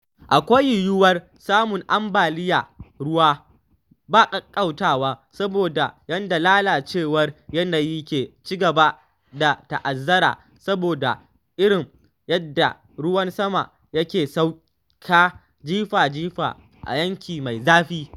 Akwai yiwuwar samun ambaliya ruwa ba ƙaƙƙautawa saboda yanda lalacewar yanayi ke ci gaba da ta'azzara saboda irin yadda ruwan sama ya ke sauka jifa-jifa a yanki mai zafi.